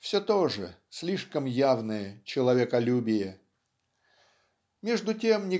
все то же слишком явное человеколюбие. Между тем